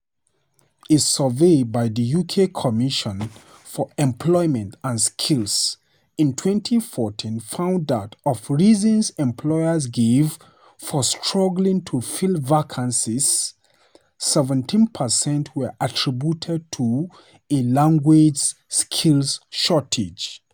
A survey by the UK Commission for Employment and Skills in 2014 found that of reasons employers gave for struggling to fill vacancies, 17 per cent were attributed to a languages skills shortage.